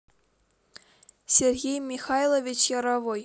сергей михайлович яровой